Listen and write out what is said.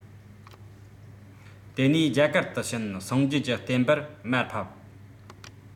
དེ ནས རྒྱ གར དུ ཕྱིན སངས རྒྱས ཀྱི བསྟན པར དམའ ཕབ